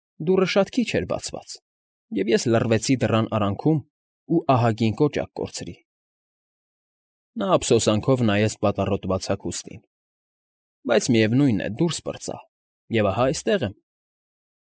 Դուռը շատ քիչ էր բացված, և ես լռվեցի դռան արանքում ու ահագին կոճակ կորցրի… ֊ Նա ափսոսանքով նայեց պատառոտված հագուստին։֊ Բայց միևնույն է, դուս պրծա, և ահա այստեղ եմ։